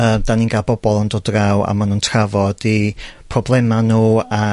yy 'dan ni'n ga'l bobol yn dod draw a ma' nw'n trafod 'u problema nw a